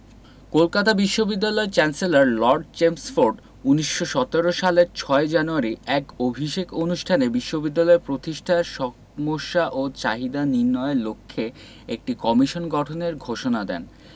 কলকাতা বিশ্ববিদ্যালয়ের chancellor lord Chelmsford ১৯১৭ সালের ৬ January এক অভিষেক অনুষ্ঠানে বিশ্ববিদ্যালয় প্রতিষ্ঠার সমস্যা ও চাহিদা নির্ণয়ের লক্ষ্যে একটি কমিশন গঠনের ঘোষণা দেন